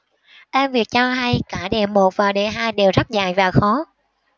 em việt cho hay cả đề một và đề hai đều rất dài và khó